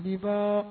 Libaa